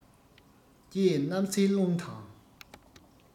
ཅེས གནམ སའི རླུང དང